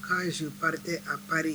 K'zprte apri